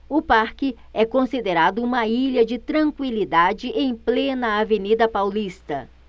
o parque é considerado uma ilha de tranquilidade em plena avenida paulista